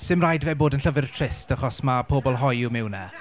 'Sdim rhaid i fe bod yn llyfr trist achos ma' pobl hoyw mewn e.